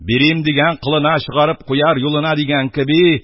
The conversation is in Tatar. Бирим дигән колына чыгарып куяр юлына, дигән кеби,